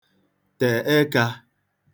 tè ekā